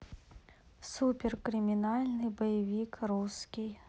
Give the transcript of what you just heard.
супер криминальный боевик русский